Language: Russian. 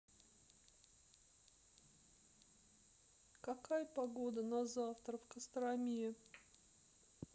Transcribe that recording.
какая погода на завтра в костроме